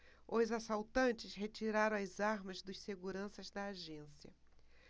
os assaltantes retiraram as armas dos seguranças da agência